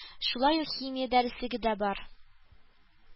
Шулай ук химия дәреслеге дә бар